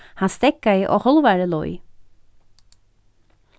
hann steðgaði á hálvari leið